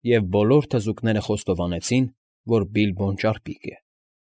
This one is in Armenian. Եվ բոլոր թզուկները խոստովանեցին, որ Բիլբոն ճարպիկ է։